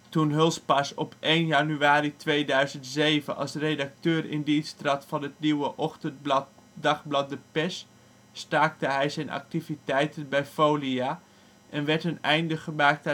Toen Hulspas op 1 januari 2007 als redacteur in dienst trad van de nieuwe ochtendkrant Dagblad De Pers, staakte hij zijn activiteiten bij Folia en werd een einde gemaakt